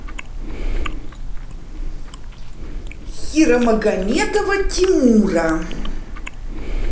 хирамагомедова тимура